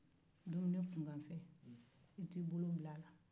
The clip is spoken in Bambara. i t'i bolo bila dumuni kunnafenw na